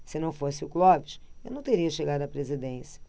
se não fosse o clóvis eu não teria chegado à presidência